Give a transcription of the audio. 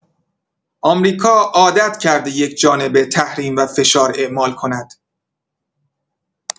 آمریکا عادت‌کرده یک‌جانبه تحریم و فشار اعمال کند.